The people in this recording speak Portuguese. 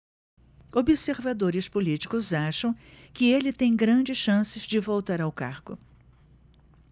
observadores políticos acham que ele tem grandes chances de voltar ao cargo